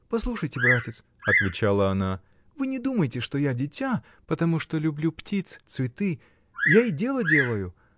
— Послушайте, братец, — отвечала она, — вы не думайте, что я дитя, потому что люблю птиц, цветы: я и дело делаю.